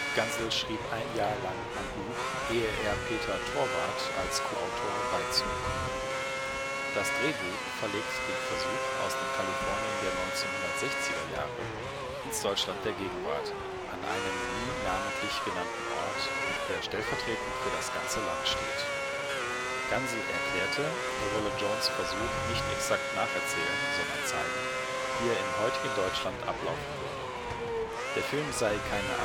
Gansel schrieb ein Jahr lang am Buch, ehe er Peter Thorwarth als Koautor beizog. Das Drehbuch verlegt den Versuch aus dem Kalifornien der 1960er Jahre ins Deutschland der Gegenwart, an einen nie namentlich genannten Ort, der stellvertretend für das ganze Land steht. Gansel erklärte, er wollte Jones ' Versuch nicht exakt nacherzählen, sondern zeigen, wie er im heutigen Deutschland ablaufen würde. Der Film sei keine